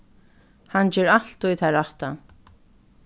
hann ger altíð tað rætta